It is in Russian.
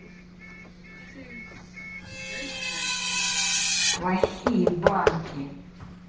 плохие банки